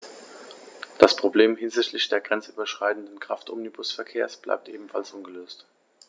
Das Problem hinsichtlich des grenzüberschreitenden Kraftomnibusverkehrs bleibt ebenfalls ungelöst.